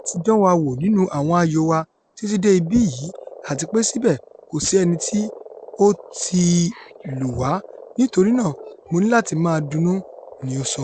A ti dán wa wò nínú àwọn ayò wa tìtí dé ibí yìí, àtipé síbẹ̀ kòsí ẹnití ó tíì lù wá, nítorínaa Mo nílatí máa dunnú,'' ni ó sọ.